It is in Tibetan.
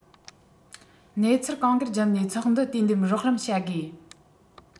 གནས ཚུལ གང དགར བསྒྱུར ནས ཚོགས འདུ དེས འདེམས རོགས རམ བྱ དགོས